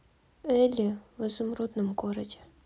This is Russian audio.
элли в изумрудном городе